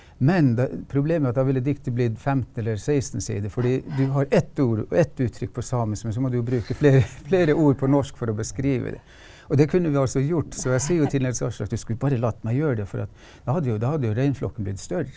men problemet er at da ville diktet blitt 15 eller 16 sider fordi du har ett ord og ett uttrykk på samisk, men så må du jo bruke fler flere ord på norsk for å beskrive det og det kunne vi altså gjort så jeg sier jo til Nils Aslak du skulle bare latt meg gjøre det for at da hadde jo da hadde jo reinflokken blitt større.